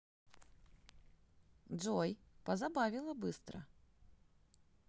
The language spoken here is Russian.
джой позабавило быстро